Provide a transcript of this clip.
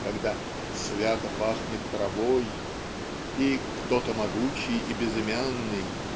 когда "свято пахнет травой" и "кто-то могучий и безымянный